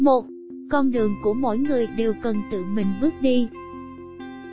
con đường của mỗi người đều cần tự mình bước đi